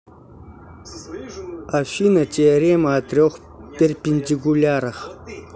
афина теорема о трех перпендикулярах